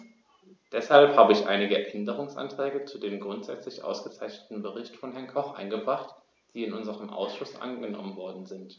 Deshalb habe ich einige Änderungsanträge zu dem grundsätzlich ausgezeichneten Bericht von Herrn Koch eingebracht, die in unserem Ausschuss angenommen worden sind.